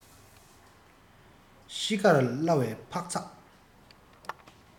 ཤི ཁར གླ བའི འཕག ཚག